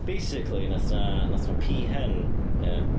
Basically, wnaeth yna wnaeth yna peahen ie.